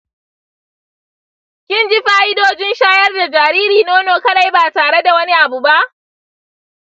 kin ji fa’idojin shayar da jariri nono kaɗai ba tare da wani abu ba?